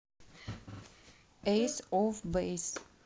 эйс оф бэйс